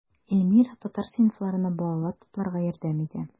Эльмира татар сыйныфларына балалар тупларга ярдәм итә.